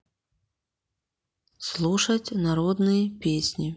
слушать народные песни